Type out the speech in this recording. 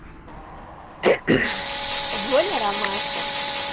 воля ромашка